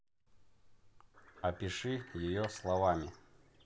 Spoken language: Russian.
опиши ее словами